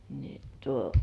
niin tuo